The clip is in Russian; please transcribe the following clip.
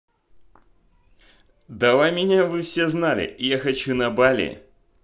давай вы меня все знали я хочу на бали